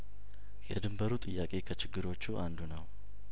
የድንበሩ ጥያቄ ከችግሮቹ አንዱ ነው